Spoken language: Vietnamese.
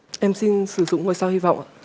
em xin sử dụng ngôi sao hy vọng